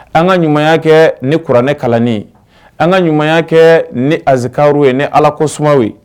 An ka ɲuman kɛ niuranɛ kalannen an ka ɲuman kɛ ni azikaru ye ni ala ko suma ye